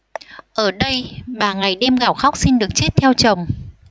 ở đây bà ngày đêm gào khóc xin được chết theo chồng